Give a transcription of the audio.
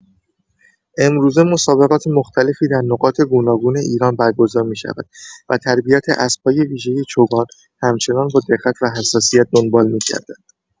امروزه مسابقات مختلفی در نقاط گوناگون ایران برگزار می‌شود و تربیت اسب‌های ویژه چوگان همچنان با دقت و حساسیت دنبال می‌گردد.